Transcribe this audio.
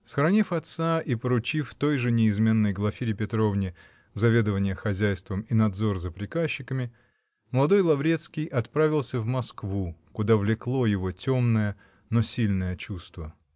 Схоронив отца и поручив той же неизменной Глафире Петровне заведывание хозяйством и надзор за приказчиками, молодой Лаврецкий отправился в Москву, куда влекло его темное, но сильное чувство.